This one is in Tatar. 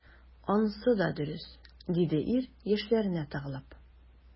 Анысы да дөрес,— диде ир, яшьләренә тыгылып.